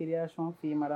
Teriyason' i mara